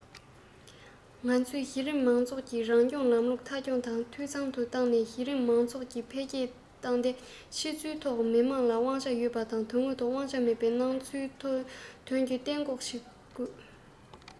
ང ཚོས གཞི རིམ མང ཚོགས ཀྱི རང སྐྱོང ལམ ལུགས མཐའ འཁྱོངས དང འཐུས ཚང དུ བཏང ནས གཞི རིམ དམངས གཙོ འཕེལ རྒྱས བཏང སྟེ ཕྱི ཚུལ ཐོག མི དམངས ལ དབང ཆ ཡོད པ དང དོན དངོས ཐོག དབང ཆ མེད པའི སྣང ཚུལ ཐོན རྒྱུ གཏན འགོག བྱེད དགོས